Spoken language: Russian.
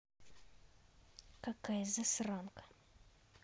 какая засранка